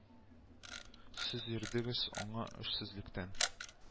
Сез йөрдегез аңа эшсезлектән